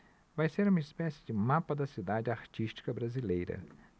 vai ser uma espécie de mapa da cidade artística brasileira